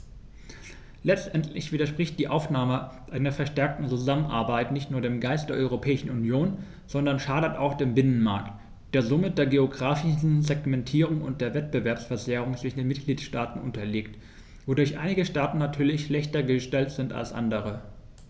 Letztendlich widerspricht die Aufnahme einer verstärkten Zusammenarbeit nicht nur dem Geist der Europäischen Union, sondern schadet auch dem Binnenmarkt, der somit der geographischen Segmentierung und der Wettbewerbsverzerrung zwischen den Mitgliedstaaten unterliegt, wodurch einige Staaten natürlich schlechter gestellt sind als andere.